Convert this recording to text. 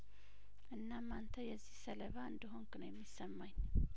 እናም አንተ የዚህ ሰለባ እንደሆንክ ነው የሚሰማኝ